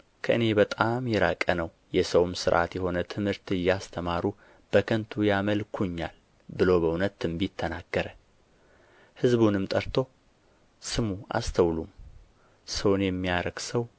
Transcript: ከእኔ በጣም የራቀ ነው የሰውም ሥርዓት የሆነ ትምህርት እያስተማሩ በከንቱ ያመልኩኛል ብሎ በእውነት ትንቢት ተናገረ ሕዝቡንም ጠርቶ ስሙ አስተውሉም ሰውን የሚያረክሰው